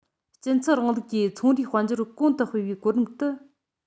སྤྱི ཚོགས རིང ལུགས ཀྱི ཚོང རའི དཔལ འབྱོར གོང དུ སྤེལ བའི གོ རིམ དུ